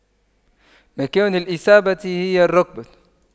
مكان الإصابة هي الركبة